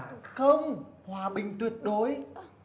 không hòa bình tuyệt đối